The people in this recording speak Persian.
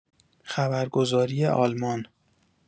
خبرگزاری آلمان